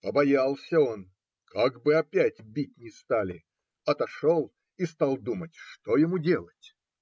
Побоялся он, как бы опять бить не стали, отошел и стал думать, что ему делать.